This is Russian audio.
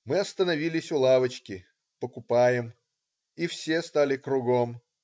Мы остановились у лавочки, покупаем. И все стали кругом.